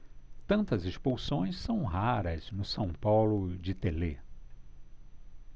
tantas expulsões são raras no são paulo de telê